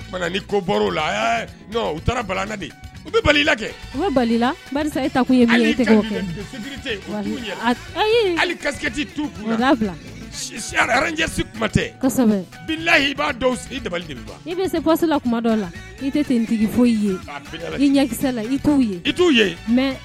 I i sesila la i tɛ i i